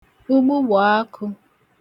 ụgbụgbọ̀ akụ̄